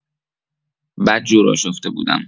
بدجور آشفته بودم.